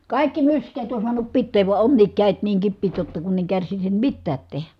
kaikki myskeet on saanut pitää vaan onkin kädet niin kipeät jotta kun en kärsisi mitään tehdä